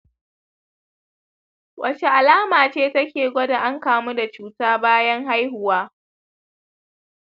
wace alama ce take gwada an kamu da cuta bayan haihuwa